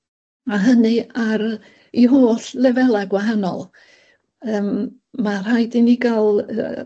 a hynny ar 'i holl lefelau gwahanol yym ma' rhaid i ni ga'l yy